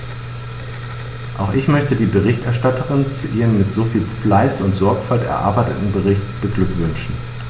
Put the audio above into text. Auch ich möchte die Berichterstatterin zu ihrem mit so viel Fleiß und Sorgfalt erarbeiteten Bericht beglückwünschen.